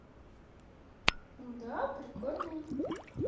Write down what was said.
да прикольные